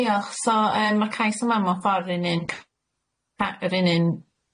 Diolch so yym ma' cais y mewn ffor' yr un un ca- yr un un